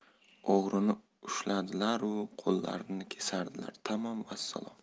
o'g'rini ushlardilaru qo'llarini kesardilar tamom vassalom